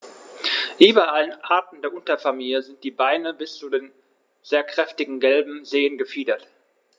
Wie bei allen Arten der Unterfamilie sind die Beine bis zu den sehr kräftigen gelben Zehen befiedert.